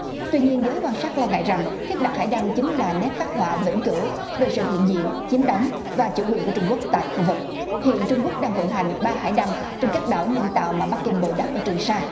tuy nhiên giới quan sát lo ngại rằng thiết đặt hải đăng chính là nét phác họa vĩnh cửu về sự hiện diện chiếm đóng và chủ quyền của trung quốc tại khu vực hiện trung quốc đang vận hành ba hải đăng trên các đảo nhân tạo mà bắc kinh bồi đắp ở trường sa